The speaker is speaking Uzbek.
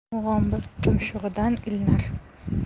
mug'ombir tumshug'idan ilinar